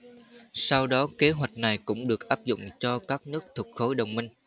sau đó kế hoạch này cũng được áp dụng cho các nước thuộc khối đồng minh